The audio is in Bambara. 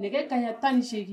Nɛgɛ kaɲa tan8gin